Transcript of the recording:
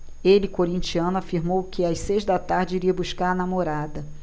ele corintiano afirmou que às seis da tarde iria buscar a namorada